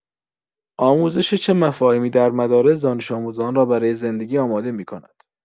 آموزش چه مفاهیمی در مدارس دانش‌آموزان را برای زندگی آماده می‌کند؟